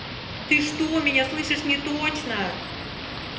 ты что меня слышишь не точно